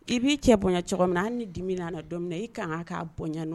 I b'i cɛ bonya cogo min na an ni dimin na don min na i kan ka bɔn